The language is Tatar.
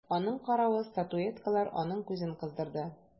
Аның каравы статуэткалар аның күзен кыздырды.